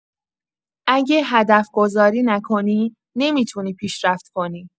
اگه هدف‌گذاری نکنی، نمی‌تونی پیشرفت کنی.